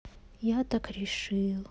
я так решил